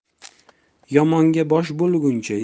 yomonga bosh bo'lguncha